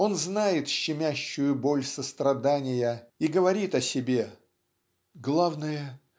он знает щемящую боль сострадания и говорит о себе "Главное